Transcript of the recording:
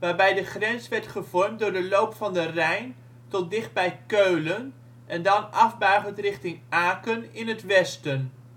waarbij de grens werd gevormd door de loop van de Rijn tot dicht bij Keulen en dan afbuigend richting Aken in het westen